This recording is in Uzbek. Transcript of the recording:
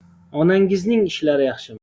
onangizning ishlari yaxshimi